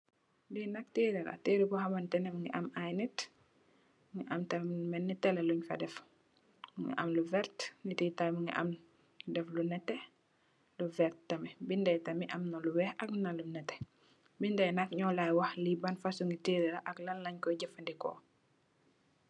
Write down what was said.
Lii nak tehreh la, tehreh bor hamanteh neh mungy am aiiy nitt, mu am tamit lu melni tele lungh fa deff, mu am lu vert, nitt yii tamit mungy am deff lu nehteh, lu vert tamit, binda yii tamit amna lu wekh, amna lu nehteh, binda yii nak njur lai wakh lii ban fasoni tehreh la ak lan langh koi jeufandehkor.